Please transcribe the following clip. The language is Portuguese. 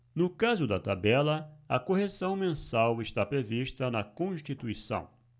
no caso da tabela a correção mensal está prevista na constituição